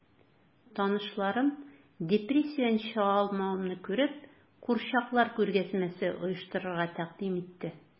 Танышларым, депрессиядән чыга алмавымны күреп, курчаклар күргәзмәсе оештырырга тәкъдим итте...